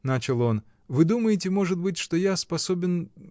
— начал он, — вы думаете, может быть, что я способен.